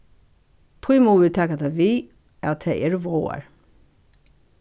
tí mugu vit taka tað við at tað eru váðar